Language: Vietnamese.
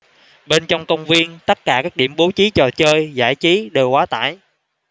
bên trong công viên tất cả các điểm bố trí trò chơi giải trí đều quá tải